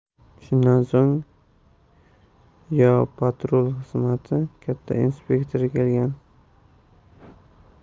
shundan so'ng yo patrul xizmati katta inspektori kelgan